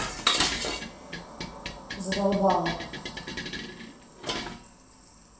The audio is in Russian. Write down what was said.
задолбала